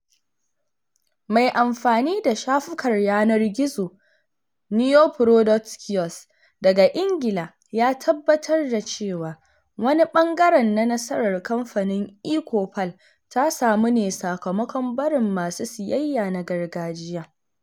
Mai amfani da shafukan yanar gizo NeoProducts Kiosks daga Ingila ya tabbatar da cewa, wani ɓangare na nasarar Kamfanin eChoupal ta samu ne sakamakon barin masu siyayya na gargajiya